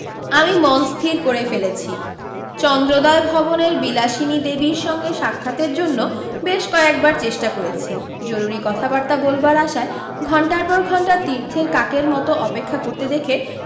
আমি মনস্থির করে ফেলেছি চন্দ্রোদয় ভবনের বিলাসিনী দেবীর সঙ্গে সাক্ষাতের জন্য বেশ কয়েকবার চেষ্টা করেছি জরুরি কথাবার্তা বলবার আশায় ঘন্টার পর ঘণ্টা তীর্থের কাকের মতো অপেক্ষা করতে দেখে